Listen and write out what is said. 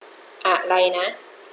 อะไรนะ